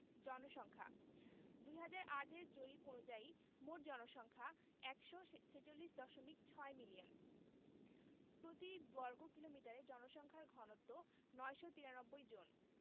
জনসংখ্যাঃ ২০০৮ এর জরিপ অনুযায়ী মোট জনসংখ্যা ১৪৬দশমিক ৬ মিলিয়ন প্রতি বর্গ কিলোমিটারে জনসংখ্যার ঘনত্ব ৯৯৩ জন